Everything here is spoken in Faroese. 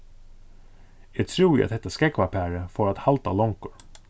eg trúði at hetta skógvaparið fór at halda longur